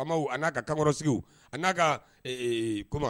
Faamaw a n'a ka kankɔrɔsigiw a n'a ka kuma